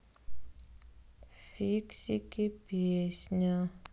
фиксики песня